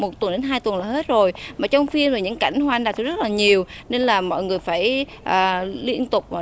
một tuần đến hai tuần là hết rồi mà trong phim thì những cảnh hoa anh đào thì rất là nhiều nên là mọi người phải à liên tục